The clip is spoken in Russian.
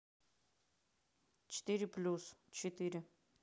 четыре плюс четыре